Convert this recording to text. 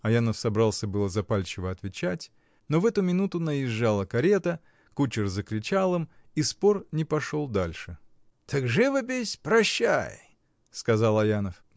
Аянов собрался было запальчиво отвечать, но в эту минуту наезжала карета, кучер закричал им, и спор не пошел дальше. — Так живопись — прощай! — сказал Аянов.